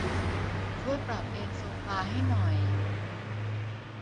ช่วยปรับเอนโซฟาให้หน่อย